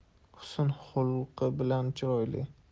husn xulqi bilan chiroyli